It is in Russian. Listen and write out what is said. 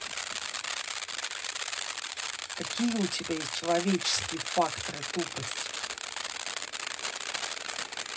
какие у тебя есть человеческие факторы тупость